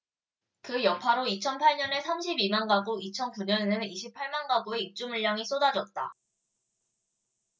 그 여파로 이천 팔 년에 삼십 이 만가구 이천 구 년에는 이십 팔 만가구의 입주물량이 쏟아졌다